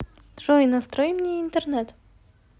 джой настрой мне интернет